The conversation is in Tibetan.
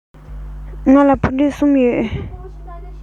ང ལ ཕུ འདྲེན གསུམ ཡོད